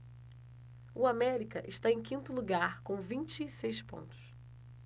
o américa está em quinto lugar com vinte e seis pontos